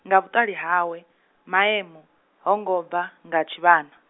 nga vhuṱali hawe, Maemu, ho ngo bva, nga tshivhana.